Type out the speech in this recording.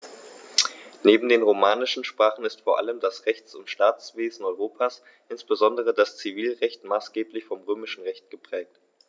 Neben den romanischen Sprachen ist vor allem das Rechts- und Staatswesen Europas, insbesondere das Zivilrecht, maßgeblich vom Römischen Recht geprägt.